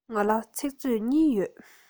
ང ལ ཚིག མཛོད གཉིས ཡོད